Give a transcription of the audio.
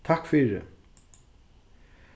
takk fyri